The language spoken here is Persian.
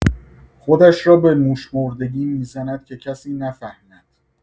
خودش را به موش‌مردگی می‌زند که کسی نفهمد.